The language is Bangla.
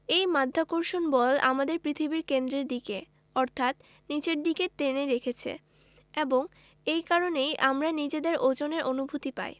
এই মাধ্যাকর্ষণ বল আমাদের পৃথিবীর কেন্দ্রের দিকে অর্থাৎ নিচের দিকে টেনে রেখেছে এবং এর কারণেই আমরা নিজেদের ওজনের অনুভূতি পাই